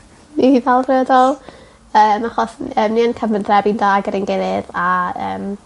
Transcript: i ddelfrydo. Yym achos n- yy cyfathrebu'n da gydai'n gilydd a yym